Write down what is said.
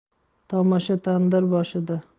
tomosha tandir boshida